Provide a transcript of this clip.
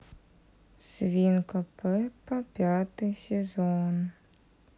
свинка пеппа пятый сезон